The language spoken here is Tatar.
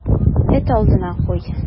Эт алдына куй.